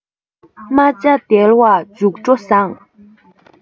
རྨ བྱ དལ བ མཇུག སྒྲོ བཟང